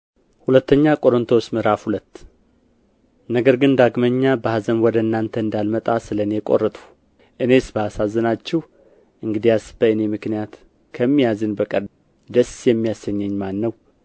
ሁለተኛ ቆሮንቶስ ምዕራፍ ሁለት ነገር ግን ዳግመኛ በኀዘን ወደ እናንተ እንዳልመጣ ስለ እኔ ቆረጥሁ እኔስ ባሳዝናችሁ እንግዲያስ በእኔ ምክንያት ከሚያዝን በቀር ደስ የሚያሰኘኝ ማን ነው